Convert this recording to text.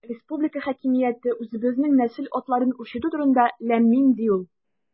Республика хакимияте үзебезнең нәсел атларын үрчетү турында– ләм-мим, ди ул.